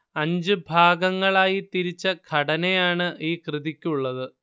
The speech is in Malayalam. അഞ്ചു ഭാഗങ്ങളായി തിരിച്ച ഘടനയാണ് ഈ കൃതിക്കുള്ളത്